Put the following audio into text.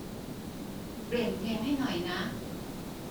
เปลี่ยนเพลงให้หน่อยนะ